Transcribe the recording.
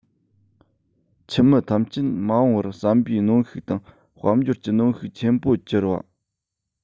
ཁྱིམ མི ཐམས ཅད མ འོངས པར བསམ པའི གནོན ཤུགས དང དཔལ འབྱོར གྱི གནོན ཤུགས ཆེན པོར གྱུར བ